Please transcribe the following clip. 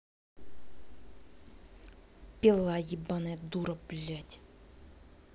пила ебаная дура блядь